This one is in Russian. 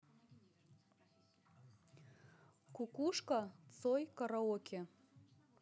кукушка цой караоке